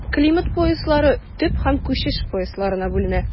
Климат пояслары төп һәм күчеш поясларына бүленә.